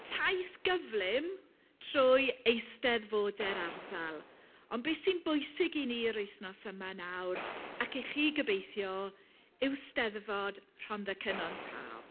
Taith gyflym trwy eisteddfodau'r ardal. Ond be sy'n bwysig i ni yr wythnos yma nawr, ac i chi gobeithio, yw 'Steddfod Rhondda Cynon Taf.